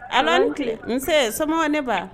Ala ni nse somɔgɔw ne ba